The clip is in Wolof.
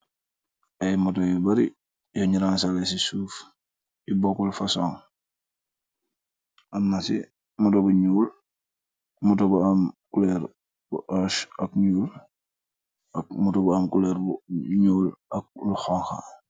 Aiiy motor yu bari yungh raanzaleh c suff, yu bokul fason, am na c motor bu njull, motor bu am couleur bu ash ak njull, ak motor bu am couleur bu njull ak lu honha.